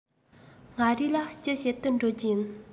མངའ རིས ལ ཅི བྱེད དུ འགྲོ རྒྱུ ཡིན